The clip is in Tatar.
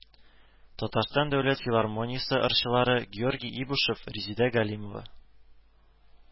Татарстан дәүләт филармониясе ырчылары Георгий Ибушев, Резеда Галимова